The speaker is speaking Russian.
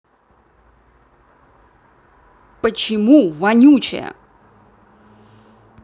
почему вонючая